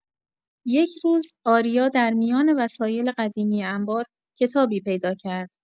یک روز، آریا در میان وسایل قدیمی انبار، کتابی پیدا کرد.